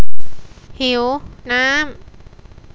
หิวน้ำ